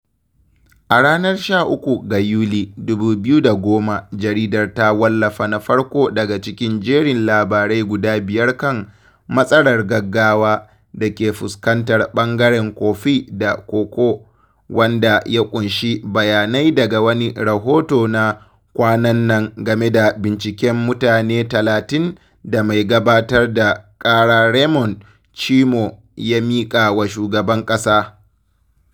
A ranar 13 ga Yuli, 2010, jaridar ta wallafa na farko daga cikin jerin labarai guda biyar kan “matsalar gaggawa” da ke fuskantar ɓangaren kofi da koko, wanda ya ƙunshi bayanai daga wani rahoto na kwanan nan game da binciken mutane 30 da mai gabatar da ƙara Raymond Tchimou ya miƙa wa shugaban ƙasa.